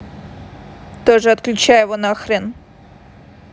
тоже отключай его нахрен